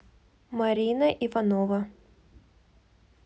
марина иванова